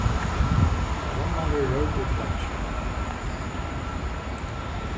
blomman verður rørd út í deiggið